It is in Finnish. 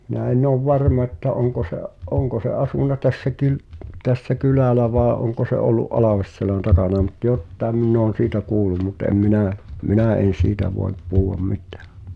minä en ole varma että onko se onko se asunut tässäkin tässä kylällä vai onko se ollut Alveselän takana mutta jotakin minä olen siitä kuullut mutta en minä minä en siitä voi puhua mitään